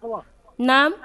Naamu